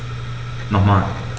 Nochmal.